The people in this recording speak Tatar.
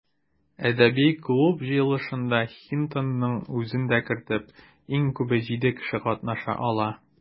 Әдәби клуб җыелышында, Хинтонның үзен дә кертеп, иң күбе җиде кеше катнаша ала.